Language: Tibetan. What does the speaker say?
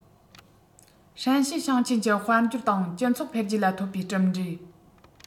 ཧྲན ཞི ཞིང ཆེན གྱི དཔལ འབྱོར དང སྤྱི ཚོགས འཕེལ རྒྱས ལ ཐོབ པའི གྲུབ འབྲས